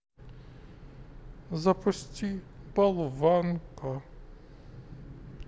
запусти болванка